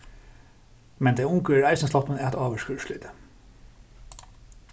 men tey ungu eru eisini sloppin at ávirka úrslitið